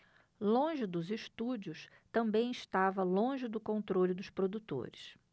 longe dos estúdios também estava longe do controle dos produtores